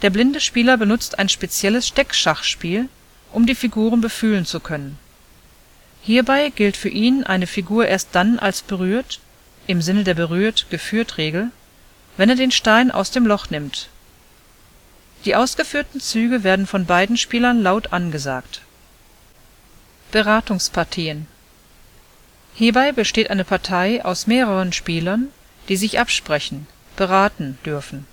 blinde Spieler benutzt ein spezielles Steckschachspiel, um die Figuren befühlen zu können. Hierbei gilt für ihn eine Figur erst dann als „ berührt “(im Sinne der Berührt-Geführt-Regel), wenn er den Stein aus dem Loch nimmt. Die ausgeführten Züge werden von beiden Spielern laut angesagt. Beratungspartien: Hierbei besteht eine Partei aus mehreren Spielern, die sich absprechen – beraten – dürfen